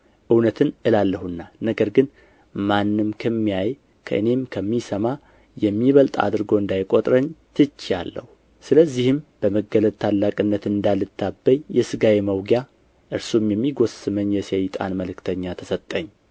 እውነትን እላለሁና ነገር ግን ማንም ከሚያይ ከእኔም ከሚሰማ የምበልጥ አድርጎ እንዳይቆጥረኝ ትቼአለሁ ስለዚህም በመገለጥ ታላቅነት እንዳልታበይ የሥጋዬ መውጊያ እርሱም የሚጎስመኝ የሰይጣን መልእክተኛ ተሰጠኝ